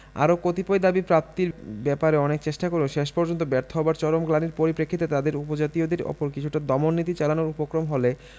আরো কতিপয় দাবী প্রাপ্তির ব্যঅপারে অনেক চেষ্টা করেও শেষ পর্যন্ত ব্যর্থ হবার চরম গ্লানির পরিপ্রেক্ষিতে তাদের উপজাতীয়দের ওপর কিছুটা দমন নীতি চালানোর উপক্রম হলে